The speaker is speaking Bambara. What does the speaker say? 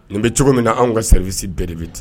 Nin bɛ cogo min na anw ka sararibisi bere bɛ ta